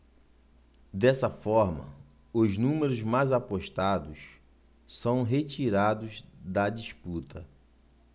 dessa forma os números mais apostados são retirados da disputa